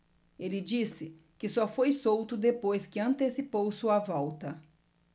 ele disse que só foi solto depois que antecipou sua volta